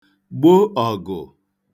gbo ọ̀gụ̀